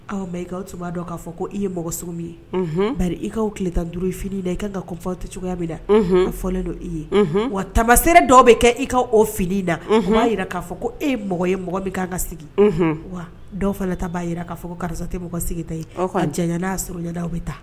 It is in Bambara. Aw mɛn i ka b' dɔn k'a fɔ ko i ye mɔgɔ s min ye bari i kaaw tileta duuru i fini da ye i ka kan kaw tɛ cogoya bɛ la fɔlen don i ye wa tama sere dɔw bɛ kɛ i ka o fini da jira k'a fɔ ko e mɔgɔ ye mɔgɔ bɛ ka' ka sigi wa dɔw fanata b'a jira k'a fɔ karisa tɛ mɔgɔw ka sigita ye jan n'a sda bɛ taa